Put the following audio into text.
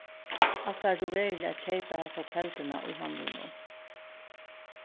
ætlar tú veruliga at keypa hasa telduna í handlinum